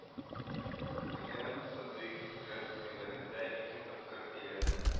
Мөхәммәд садыйк хәзрәт гомерендә ике тапкыр өйләнә